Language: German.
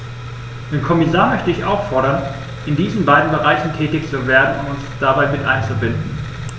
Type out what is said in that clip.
Den Kommissar möchte ich auffordern, in diesen beiden Bereichen tätig zu werden und uns dabei mit einzubinden.